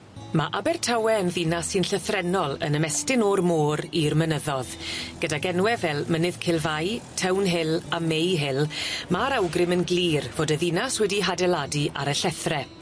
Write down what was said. Ma' Abertawe yn ddinas sy'n llythrennol yn ymestyn o'r môr i'r mynyddo'dd gydag enwe fel Mynydd Cilfai, Townhill a Mayhill ma'r awgrym yn glir fod y ddinas wedi hadeiladu ar y llethre